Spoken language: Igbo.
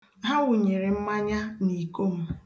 Ha wụnyere mmanya na iko m